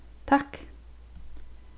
takk